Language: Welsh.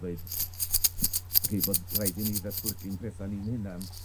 ddweud, dwi credu bod raid i ni ddatblygu'n petha ni'n hunan,